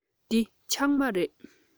འདི ཕྱགས མ རེད